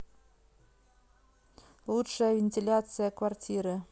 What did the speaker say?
лучшая вентиляция квартиры